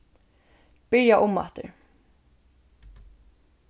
byrja umaftur